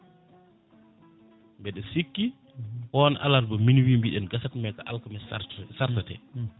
mbeɗe sikki on alarba minuit mbiɗen gasat mais ko alkamisa sar charge te